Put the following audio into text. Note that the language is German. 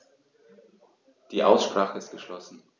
Die Aussprache ist geschlossen.